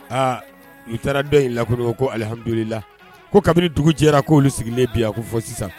Aa u taara dɔn in lako ko alihamdulila ko kabini dugu jɛrayara ko'olu sigilen bi a ko fɔ sisan